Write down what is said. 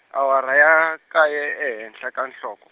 awara ya, kaye e, ehenhla ka nhloko.